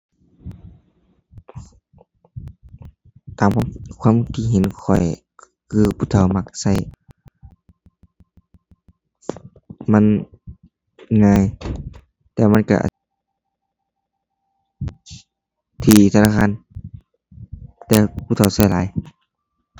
ตามความ ความคิดเห็นข้อย คะ คือผู้เฒ่ามักใช้ มันง่าย แต่มันใช้ ที่ธนาคาร แต่ผู้เฒ่าใช้หลาย